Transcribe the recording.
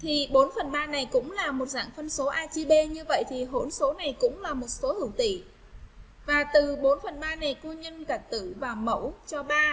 thì này cũng là một dạng phân số atp như vậy thì hỗn số này cũng là một số hữu tỉ này công nhân cả tử và mẫu cho ba